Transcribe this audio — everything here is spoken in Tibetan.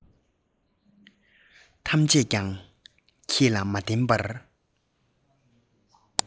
ཐམས ཅད ཀྱང ཁྱེད ལ མ བསྟེན པར